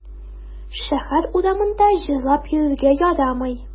Шәһәр урамында җырлап йөрергә ярамый.